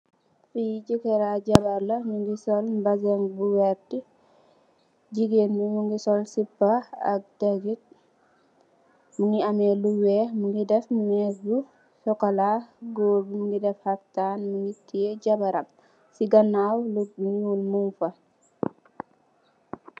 Lii jeker ak jabarr la ñungi sol mbassang bu vertt. Gigeen bi mungi sol sipa ak tegi mungi ameh lu wekh mungi deff messbu socola gorr bi mungi deff haftan mungi tiyeh jabaram ci ganaw nittbu nyul mungfa.